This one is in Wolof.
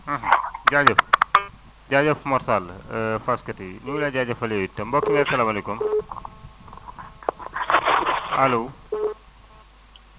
jaajëf jaajëf Mor Sall Fass Keti ñu ngi lmay jaajëfal yow itam mbokk mi asalaamaaleykum allo